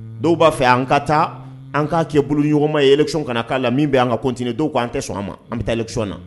Dɔw b'a fɛ an ka taa an k'a kɛ boloɲɔgɔnma ye yɛlɛsɔn ka na k'a la min bɛ' an ka kot dɔw k' an tɛ sɔn ma an bɛ taa son na